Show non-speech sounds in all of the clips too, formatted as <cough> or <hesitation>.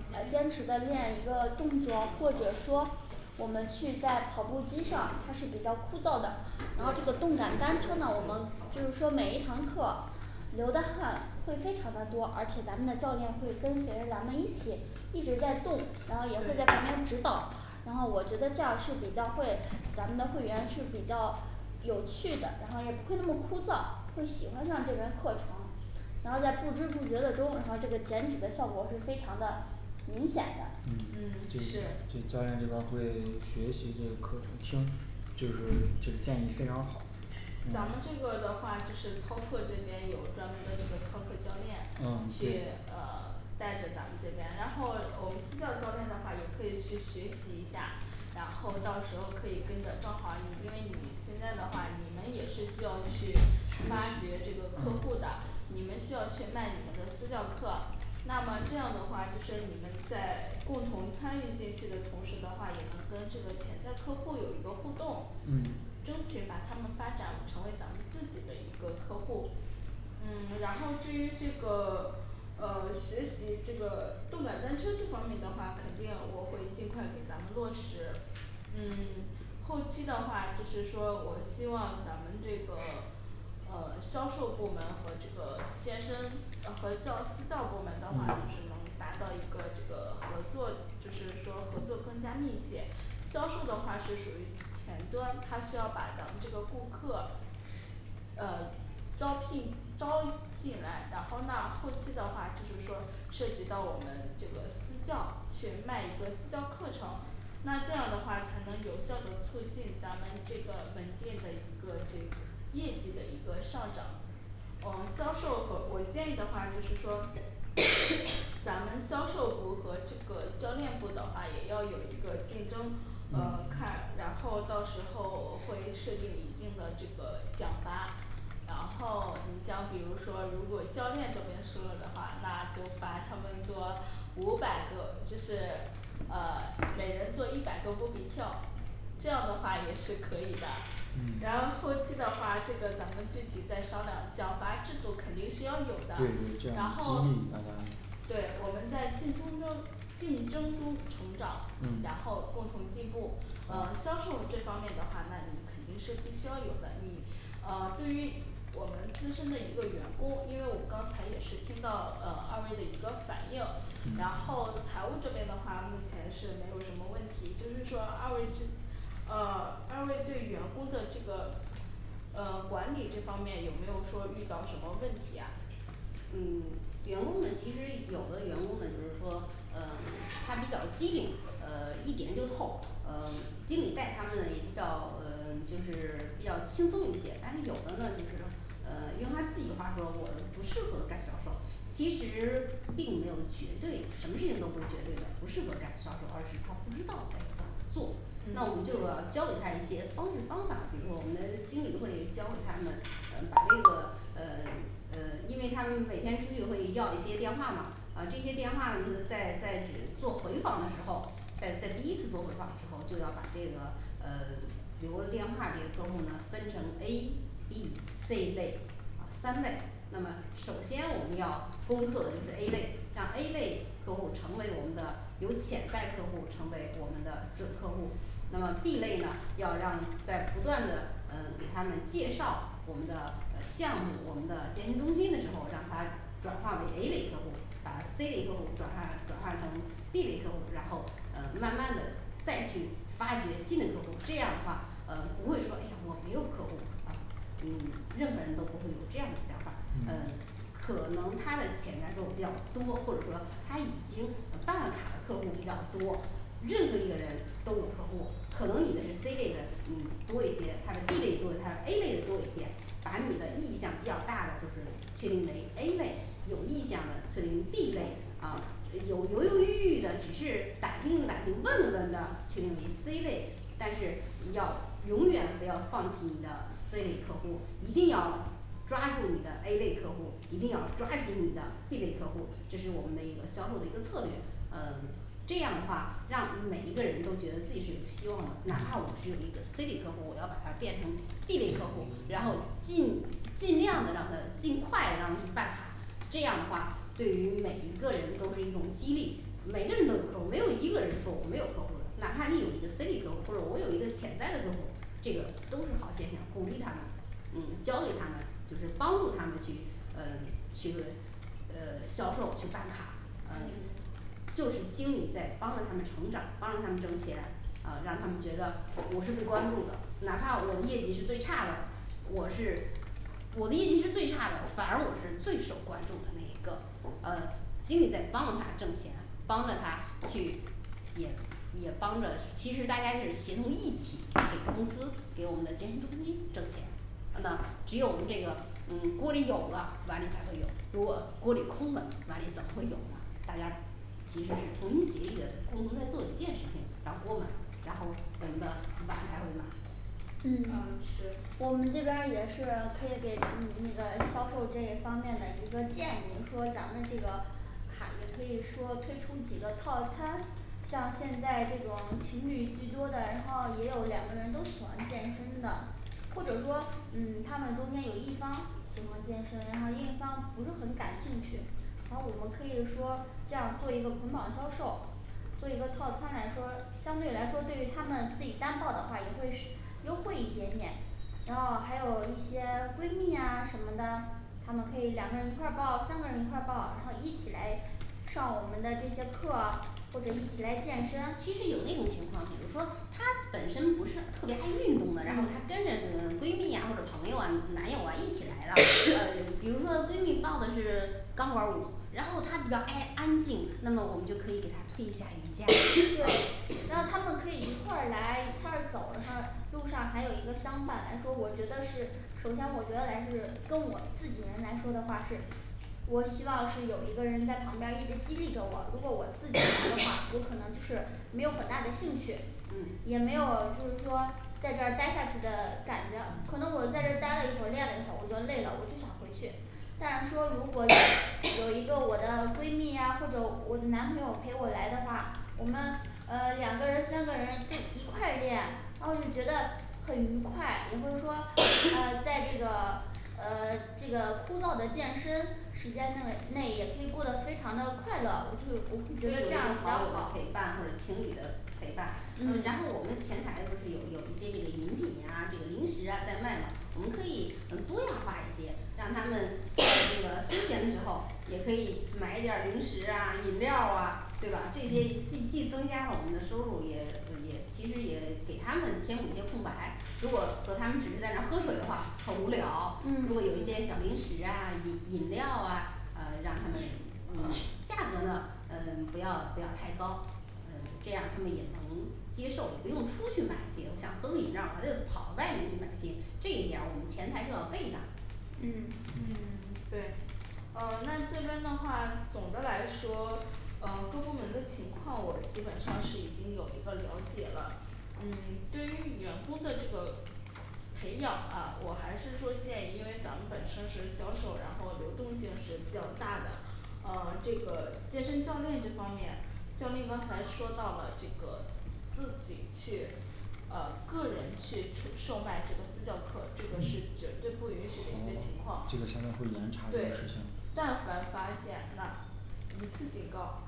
呃坚持的练一个动作，或者说我们去在跑步机上他是比较枯燥的，然后这个动感单车呢我们就是说每一堂课流的汗会非常的多，而且咱们的教练会跟随着咱们一起一直在动，然后也会在旁对边指导。然后我觉得这样是比较会咱们的会员是比较有趣的，然后也不会那么枯燥，会喜欢上这门课程然后在不知不觉的中，然后这个减脂的效果是非常的明显的嗯这嗯是这教练这边儿会学习这个课程，听就是这个建议非常好咱们这嗯个的话就是操课这边有专门的这个操课教练嗯去对呃带着咱们这边，然后我们私教教练的话也可以去学习一下然后到时候可以跟着正好儿，你因为你现在的话，你们也是需要去挖掘学习这个客户的嗯，你们需要去卖你们的私教课那么这样的话就是你们在共同参与进去的同时的话，也能跟这个潜在客户有一个互动，嗯争取把他们发展成为咱们自己的一个客户嗯 <silence> 然后至于这个呃学习这个动感单车这方面的话，肯定我会尽快给咱们落实嗯 <silence> 后期的话就是说我希望咱们这个呃销售部门和这个健身呃和教私教部门的话就嗯是能达到一个这个合作，就是说合作更加密切销售的话是属于前端，他需要把咱们这个顾客呃招聘招进来，然后那后期的话就是说涉及到我们这个私教去卖一个私教课程，那这样的话才能有效的促进咱们这个门店的一个这业绩的一个上涨。哦销售和我建议的话就是说& <hesitation> &咱们销售部和这个教练部的话也要有一个竞争呃，嗯看然后到时候会设定一定的这个奖罚然后你像比如说如果教练这边输了的话，那就罚他们做五百个，就是呃每人做一百个波比跳这样的话也是可以的。然嗯后后期的话这个咱们具体再商量，奖罚制度肯定是对对这样儿要有的激，然后励大家对我们在竞中争，竞争中成长，然嗯后共同进步。呃销售这方面的话那你肯定是必须要有的，你呃对于我们自身的一个员工，因为我刚才也是听到嗯二位的一个反应，然嗯后财务这边的话目前是没有什么问题，就是说二位之呃 <silence> 二位对员工的这个呃管理这方面有没有说遇到什么问题呀？嗯 <silence> 员工呢其实有的员工呢就是说呃他比较机灵，呃一点就透呃经理带他们也比较嗯就是比较轻松一些，但是有的呢就是呃用他自己的话说我不适合干销售其实并没有绝对什么事情都不是绝对的不适合干销售，而是他不知道该怎么做那我们嗯就要教给他一些方式方法，比如说我们经理会教他们呃把这个呃嗯因为他们每天出去会要一些电话嘛，啊这些电话呢在在做回访的时候在在第一次做回访的时候就要把这个呃 <silence> 留了电话这客户呢分成A B C类啊三类，那么首先我们要攻克的就是A类，让A类客户成为我们的有潜在客户，成为我们的准客户那么B类呢要让在不断的嗯给他们介绍我们的呃项目，我们的健身中心的时候，让他转化为A类客户，把C类客户转化转化成B类客户，然后呃慢慢的再去发掘新的客户，这样的话呃不会说哎呀我没有客户啊嗯任何人都不会有这样的想法儿。呃嗯可能他的潜在客户比较多，或者说他已经呃办了卡客户比较多任何一个人都有客户，可能你的是C类的嗯多一些，他的B类多，他的A类的多一些，把你的意向比较大的就是确定为A类有意向的推于B类，啊有犹犹豫豫的只是打听打听问了问的确定为C类但是要永远不要放弃你的C类客户，一定要抓住你的A类客户，一定要抓紧你的B类客户，这是我们的一个销售的一个策略，呃这样的话让每一个人都觉得自己是有希望的，哪怕我只嗯有一个C类客户，我要把他变成 B类客户，然后尽尽量的让他尽快让他去办卡，这样的话对于每一个人都是一种激励每个人都有客户，没有一个人说我没有客户了，哪怕你一个C类客户或者我有一个潜在的客户，这个都是好现象，鼓励他们嗯教给他们就是帮助他们去呃去呃销售去办卡，呃嗯就是经理在帮着他们成长，帮助他们挣钱啊让他们觉得我是被关注的，哪怕我的业绩是最差的，我是我的业绩是最差的，反而我是最受关注的那一个，呃经理在帮着他挣钱，帮着他去也也帮着，其实大家是协同一起给公司给我们的健身中心挣钱呃那只有我们这个嗯锅里有了，碗里才会有，如果锅里空的碗里怎么会有呢大家其实是同心协力的共同在做一件事情，让锅满，然后我们的碗才会满嗯啊是我们这边儿也是可以给嗯那个销售这一方面的一个建议，说咱们这个卡也可以说推出几个套餐，像现在这种情侣居多的，然后也有两个人都喜欢健身的或者说嗯他们中间有一方喜欢健身，然后另一方不是很感兴趣然后我们可以说这样做一个捆绑销售做一个套餐来说，相对来说对于他们自己单报的话也会是优惠一点点然后还有一些闺蜜呀什么的他们可以两个人一块儿报，三个人一块儿报，然后一起来上我们的这些课或者一起来健身，嗯其实有那种情况，比如说她本身不是特别爱运动的，然后她嗯跟着你闺蜜呀或者朋友啊男友啊一起来的啦& <hesitation> &呃，比如说闺蜜报的是钢管儿舞，然后她比较爱安静那么我们就可以给她递一下瑜伽对啊，。然后他们嗯&& <hesitation> 可以一块儿来一块儿走，然后路上还有一个相伴来说我觉得是，首先我觉得来说是跟我自己人来说的话是我希望是有一个人在旁边儿一直激励着我，如果我& <hesitation> &自己来的话，我有可能就是没有很大的兴趣，嗯也没有就是说在这儿待下去的感觉，可能我在这儿待了一会儿，练了一会我觉得累了我就想回去但是说如果& <hesitation> &有一个我的闺蜜啊或者我男朋友陪我来的话，我们呃两个人三个人就一块练，然后就觉得很愉快，也会说& <hesitation> &啊在这个呃 <silence> 这个枯燥的健身时间范围内也可以过得非常的快乐，我这这个有个我会觉得这样比较好友的好陪伴或者情侣的陪伴，呃然后嗯嗯我们前台都是有有一些这个饮品啊这个零食啊在卖嘛，我们可以嗯多样化一些，让他们& <hesitation> &在这个休闲的时候也可以买点儿零食啊饮料儿啊对吧？这些既既增加了我们的收入，也呃也其实也给他们填补一些空白如果说他们只是在那儿喝水的话，很无聊，如果有嗯一些小嗯零食啊饮饮料啊呃让他们嗯价格呢嗯不要不要太高呃这样儿他们也能接受，也不用出去买去，我想喝个饮料儿我得跑外面去买去，这一点我们前台就要备上嗯 <silence> 对呃那这边的话总的来说呃各部门的情况我基本上是已经有一个了解了，嗯对于员工的这个培养啊我还是说建议，因为咱们本身是销售，然后流动性是比较大的。啊这个健身教练这方面教练刚才说到了，这个自己去呃个人去出售卖这个私教课这个是嗯绝对不允许的，一个情好况这个行政会严查这个事情对但凡发现那一次警告，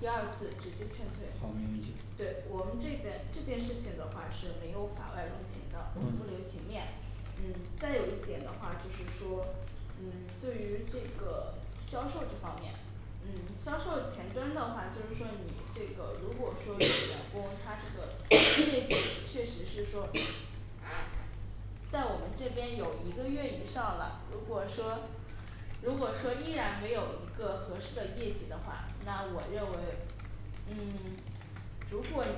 第二次直接劝退好没问题对我们这件这件事情的话是没有法外容情的，我们不留嗯情面，嗯再有一点的话就是说嗯对于这个销售这方面嗯销售前端的话，就是说你这个如果说有& <hesitation> &员工他这个因为& <hesitation> &确实是说在我们这边有一个月以上了，如果说如果说依然没有一个合适的业绩的话，那我认为嗯 <silence> 如果你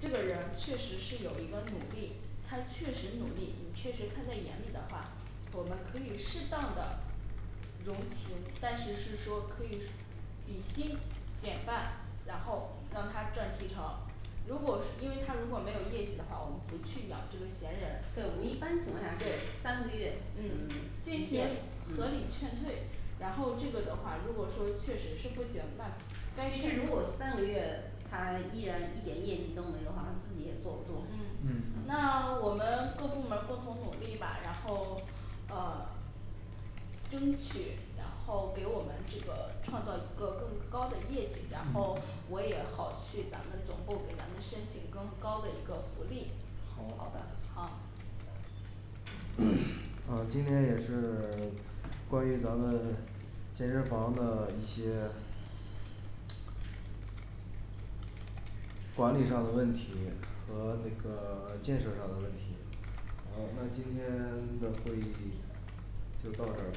这个人确实是有一个努力，他确实努力你确实看在眼里的话，我们可以适当的容情但是是说可以底薪减半，然后让他赚提成如果是因为他如果没有业绩的话，我们不去养这个闲人，对对我们一般情况下是三个月嗯嗯， <silence> 实现，嗯合理劝退，然后这个的话如果说确实是不行那该其实劝如，果三个月他依然一点业绩都没有的话，他自己也坐不住嗯嗯那我们各部门共同努力吧，然后呃争取然后给我们这个创造一个更高的业绩，然后嗯我也好去咱们总部给咱们申请更高的一个福利好好的好 <hesitation> 啊今天也是 <silence> 关于咱们健身房的一些管理上的问题和这个 <silence> 建设上的问题。好，那今天 <silence> 的会议就到这儿了